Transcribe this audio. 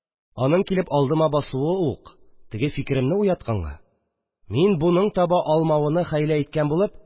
Аның килеп алдыма басуы ук теге фикеремне уятканга, мин, моның таба алмавыны хәйлә иткән булып: